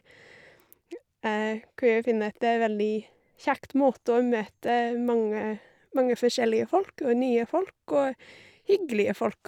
Hvor jeg finner at det er veldig kjekt måte å møte mange mange forskjellige folk, og nye folk, og hyggelige folk.